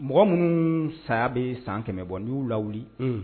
Mɔgɔ minnu saya bɛ san kɛmɛ bɔ n y'u lawuli